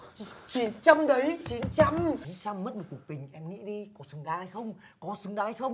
chín trăm đấy chín trăm chín trăm mất một cuộc tình em nghĩ đi có xứng đáng hay không có xứng đáng hay không